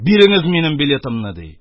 Биреңез минем билетымны! — ди.